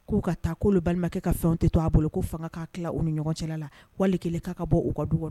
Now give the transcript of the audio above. K'u ka taa'olu balimakɛ ka fɛnw tɛ to'a bolo ko fanga ka tila u ni ɲɔgɔn cɛla la wali kɛlen k'a ka bɔ uu ka dugawu